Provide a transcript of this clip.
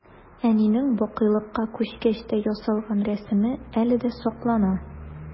Әнинең бакыйлыкка күчкәч тә ясалган рәсеме әле дә саклана.